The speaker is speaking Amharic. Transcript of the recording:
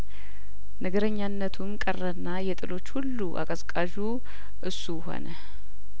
ነገረኛነቱም ቀረና የጥሎች ሁሉ አቀዝቃዡ እሱው ሆነ